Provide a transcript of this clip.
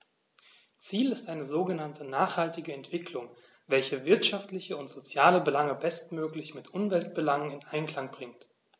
Ziel ist eine sogenannte nachhaltige Entwicklung, welche wirtschaftliche und soziale Belange bestmöglich mit Umweltbelangen in Einklang bringt.